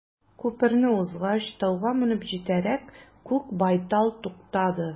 Күперне узгач, тауга менеп җитәрәк, күк байтал туктады.